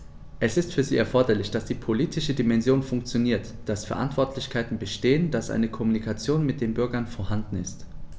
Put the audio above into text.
Es ist für sie erforderlich, dass die politische Dimension funktioniert, dass Verantwortlichkeiten bestehen, dass eine Kommunikation mit den Bürgern vorhanden ist.